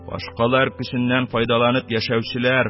Башкалар көченнән файдаланып яшәүчеләр